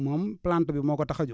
moom plante bi moo ko tax a jóg